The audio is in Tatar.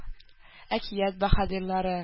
Әкият баһадирлары